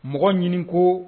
Mɔgɔ ɲini koo